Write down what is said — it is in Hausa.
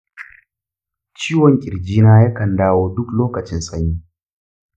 ciwon ƙirjina yakan dawo duk lokacin sanyi.